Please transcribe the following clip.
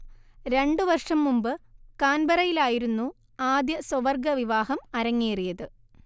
രണ്ടു വർഷം മുമ്പ് കാൻബറയിലായിരുന്നു ആദ്യ സ്വവർഗ വിവാഹം അരങ്ങേറിയത്